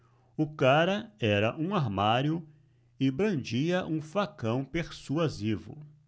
o cara era um armário e brandia um facão persuasivo